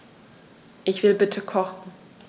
Ich will bitte kochen.